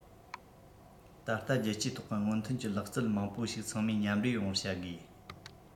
ད ལྟ རྒྱལ སྤྱིའི ཐོག གི སྔོན ཐོན གྱི ལག རྩལ མང པོ ཞིག ཚང མས མཉམ འདྲེས ཡོང བར བྱ དགོས